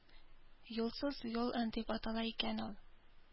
«юлсыз юл» дип атала икән ул.